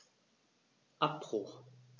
Abbruch.